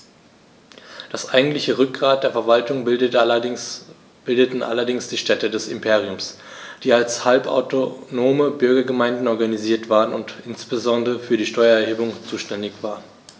Das eigentliche Rückgrat der Verwaltung bildeten allerdings die Städte des Imperiums, die als halbautonome Bürgergemeinden organisiert waren und insbesondere für die Steuererhebung zuständig waren.